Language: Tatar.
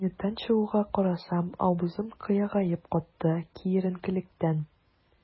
Ә кабинеттан чыгуга, карасам - авызым кыегаеп катты, киеренкелектән.